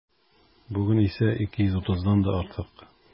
Бүген исә 230-дан да артык.